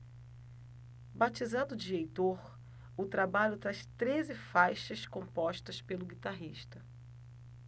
batizado de heitor o trabalho traz treze faixas compostas pelo guitarrista